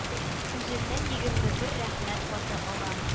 Үзеннән егерме бер рәхмәт хаты ала